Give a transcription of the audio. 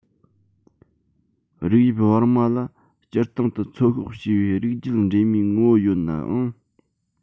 རིགས དབྱིབས བར མ ལ སྤྱིར བཏང དུ ཚོད དཔག བྱས པའི རིགས རྒྱུད འདྲེས མའི ངོ བོ ཡོད ནའང